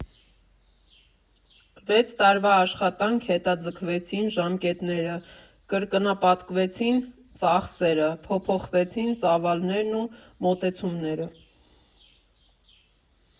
Վեց տարվա աշխատանք Հետաձգվեցին ժամկետները, կրկնապատկվեցին ծախսերը, փոփոխվեցին ծավալներն ու մոտեցումները։